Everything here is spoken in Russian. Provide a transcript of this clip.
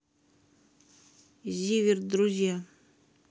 зиверт друзья